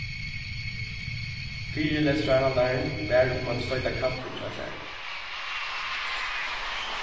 fyrilestrarhaldarin var um at stoyta kaffið hjá sær